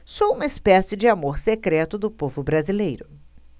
sou uma espécie de amor secreto do povo brasileiro